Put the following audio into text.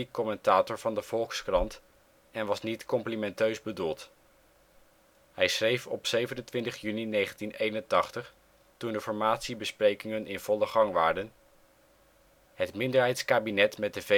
commentator van de Volkskrant, en was niet complimenteus bedoeld. Hij schreef op 27 juni 1981, toen de formatiebesprekingen in volle gang waren: Het minderheidskabinet met